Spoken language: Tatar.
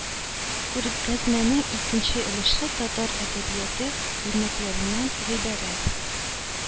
Күргәзмәнең икенче өлеше татар әдәбияты үрнәкләреннән гыйбарәт